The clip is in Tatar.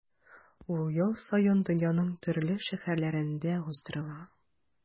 Ул ел саен дөньяның төрле шәһәрләрендә уздырыла.